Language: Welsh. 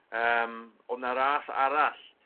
yym odd 'na ras arall